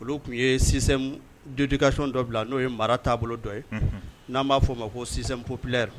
Olu tun ye sin dudikasion dɔ bila n'o ye mara t taabolo bolo dɔ ye n'a b'a fɔ o ma ko sinp pyara